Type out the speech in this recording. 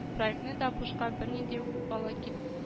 Проектны да бушка, бернинди волокит